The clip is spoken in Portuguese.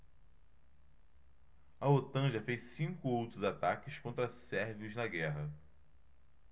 a otan já fez cinco outros ataques contra sérvios na guerra